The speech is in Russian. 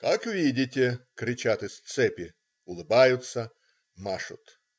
"Как видите!" - кричат из цепи, улыбаются, машут.